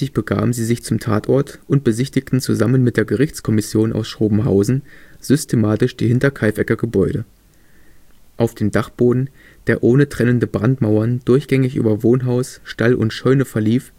begaben sie sich zum Tatort und besichtigten zusammen mit der Gerichtskommission aus Schrobenhausen systematisch die Hinterkaifecker Gebäude. Auf dem Dachboden, der ohne trennende Brandmauern durchgängig über Wohnhaus, Stall und Scheune verlief